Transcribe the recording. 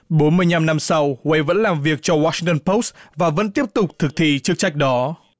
bốn mươi nhăm năm sau uây vẫn làm việc cho oa sinh tơn pốt và vẫn tiếp tục thực thi chức trách đó